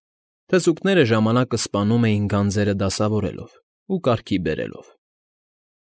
Թզուկները ժամանակը սպանում էին գանձերը դասավորելով ու կարգի բերելով։